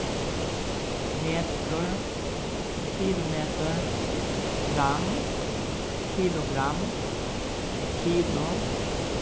metur kilometur gramm kilogramm kilo